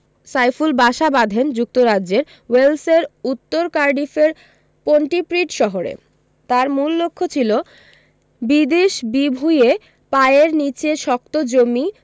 সাইফুল বাসা বাঁধেন যুক্তরাজ্যের ওয়েলসের উত্তর কার্ডিফের পন্টিপ্রিড শহরে তাঁর মূল লক্ষ্য ছিল বিদেশ বিভুঁইয়ে পায়ের নিচে শক্ত জমি